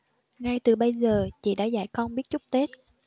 ngay từ bây giờ chị đã dạy con biết chúc tết